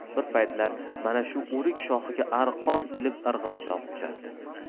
bir paytlar mana shu o'rik shoxiga arqon ilib arg'imchoq uchardi